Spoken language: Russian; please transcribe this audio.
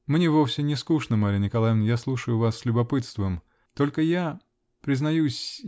-- Мне вовсе не скучно, Марья Николаевна, и слушаю я вас с любопытством . Только я. признаюсь.